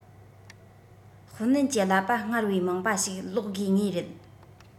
ཧུའུ ནན གྱི གླ པ སྔར བས མང པ ཞིག ལོག དགོས ངེས རེད